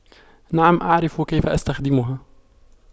نعم اعرف كيف استخدمها